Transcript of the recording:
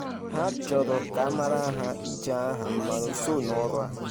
Ha chọrọ ka amara ha iji aha m, mana o so n’ọrụ a.